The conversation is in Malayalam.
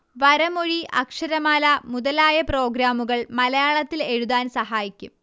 വരമൊഴി അക്ഷരമാല മുതലായ പ്രോഗ്രാമുകൾ മലയാളത്തിൽ എഴുതാൻ സഹായിക്കും